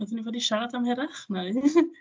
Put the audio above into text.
Ydan ni i fod i siarad am hirach neu...?